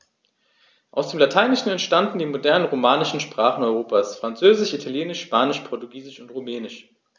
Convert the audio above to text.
Aus dem Lateinischen entstanden die modernen „romanischen“ Sprachen Europas: Französisch, Italienisch, Spanisch, Portugiesisch und Rumänisch.